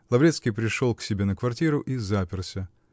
Лаврецкий пришел к себе на квартиру и заперся.